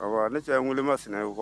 Awɔ. Ale ta ye wolo ma sen ye wa